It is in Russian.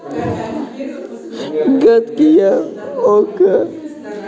гадкий я окко